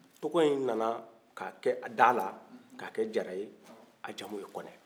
tɔgɔyin na na ka kɛ da la ka a kɛ jara ye a jamu ye kɔnɛ